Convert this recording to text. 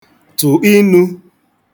tụ̀ inū